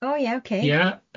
Oh ie, ok... Ie, so.